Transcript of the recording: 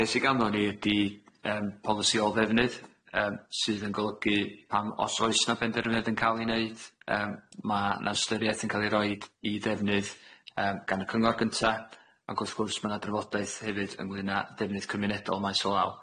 Be sy ganddon ni ydi yym polisi ôl-ddefnydd yym sydd yn golygu pam os oes 'na benderfynedd yn ca'l i neud yym ma' 'na ystyriaeth yn ca'l i roid i ddefnydd yym gan y cyngor gynta ag wrth gwrs ma' 'na drafodaeth hefyd ynglŷn â ddefnydd cymunedol maes o law.